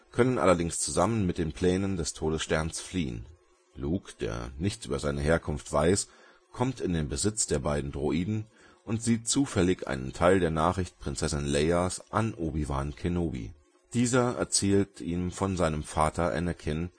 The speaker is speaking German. können allerdings zusammen mit den Plänen des Todessterns fliehen. Luke, der nichts über seine Herkunft weiß, kommt in den Besitz der beiden Droiden und sieht zufällig einen Teil der Nachricht Prinzessin Leias an Obi-Wan Kenobi. Dieser erzählt ihm von seinem Vater Anakin